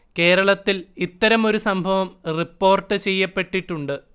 കേരളത്തിൽ ഇത്തരമൊരു സംഭവം റിപ്പോർട്ട് ചെയ്യപ്പെട്ടിട്ടുണ്ട്